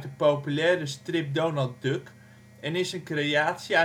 populaire strip Donald Duck en is een creatie